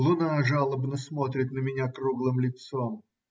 Луна жалобно смотрит на меня круглым лицом.